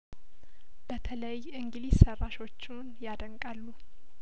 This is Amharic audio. በተለይ እንግሊዝ ሰራ ሾቹን ያደንቃሉ